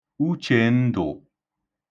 Uchèndụ̀